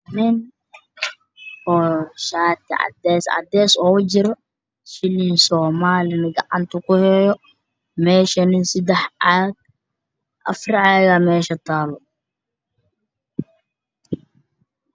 Waa nin wato shaati cadeys, shilin soomaali gacanta kuhaayo, afar caagna meesha ayay taalaa.